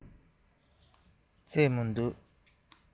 སླེབས མི འདུག